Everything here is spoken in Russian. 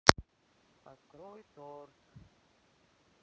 открой торт